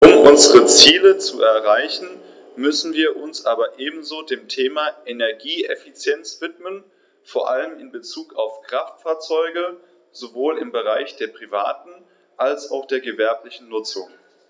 Um unsere Ziele zu erreichen, müssen wir uns aber ebenso dem Thema Energieeffizienz widmen, vor allem in Bezug auf Kraftfahrzeuge - sowohl im Bereich der privaten als auch der gewerblichen Nutzung.